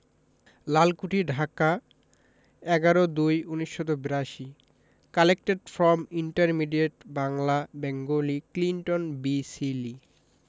লালকুঠি ঢাকা ১১/০২/১৯৮২ collected from intermediate Bangla Bengali Clinton B Seely